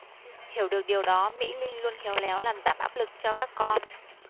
hiểu được điều đó mỹ linh luôn khéo léo làm giảm áp lực cho các con